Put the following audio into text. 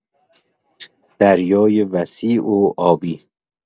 دریای وسیع و آبی